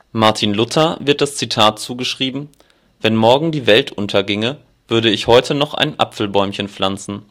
Martin Luther wird das Zitat zugeschrieben: Wenn morgen die Welt unterginge, würde ich heute noch ein Apfelbäumchen pflanzen